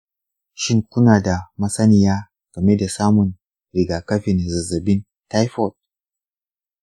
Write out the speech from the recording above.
shin kuna da masaniya game da samun riga-kafin zazzabin taifot